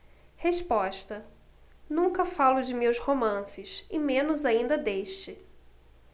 resposta nunca falo de meus romances e menos ainda deste